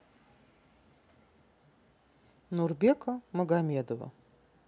нурбека магомедова